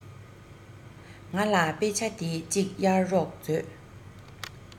ང ལ དཔེ ཆ འདི གཅིག གཡར རོགས མཛོད